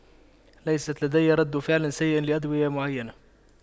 ليست لدي رد فعل سيء لأدوية معينة